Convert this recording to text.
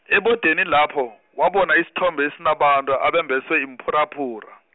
ebodeni lapho, wabona isithombe esinabantu abambeswe iimphuraphura.